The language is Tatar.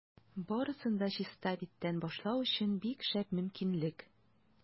Барысын да чиста биттән башлау өчен бик шәп мөмкинлек.